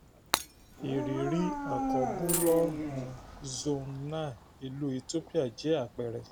Ìrírí akọbúlọ́ọ̀gù Zone9 ìlú Ethiopia jẹ́ àpẹẹrẹ.